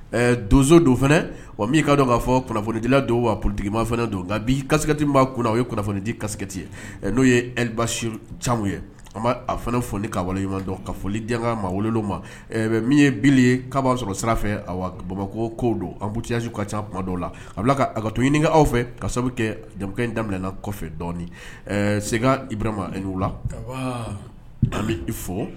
Donso don fana wa mini ka dɔn k'a fɔ kunnafonidi don wa ptigikima fana don nka bi kasisɛti' kun o ye kunnafonidi kasissɛti n'o yeba caman ye an' a fana folioni ka wale ɲumanɲuman ka folioli janga maa ma min ye bi ye ka b' sɔrɔ sira fɛ bamakɔ ko don anbuyasu ka ca dɔw la aa ka to ɲini aw fɛ ka sababu kɛ jama in daminɛna kɔfɛ se ib ma la an bɛ i fɔ